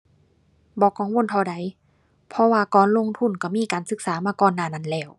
บ่กังวลเท่าใด เพราะว่าก่อนลงทุนก็มีการศึกษามาก่อนหน้านั้นแล้ว